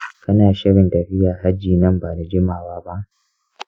kana shirin tafiya hajji nan ba da jimawa ba?